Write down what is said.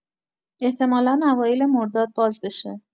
احتمالا اوایل مرداد باز بشه